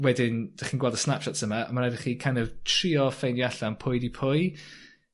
wedyn dych chi'n gweld y snapshots yma a ma' raid i chi kin' of trio ffeindio allan pwy 'di pwy.